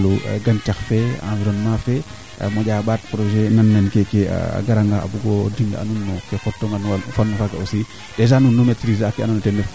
to bo ga'oona naange ɗega a pifiin kaa yoomb ku leeloona maana o xot mbaxkin maaga ndaa ba re'ina ye jegoo ge keene so o xoxoxan toujours toujours xana ɗeg axa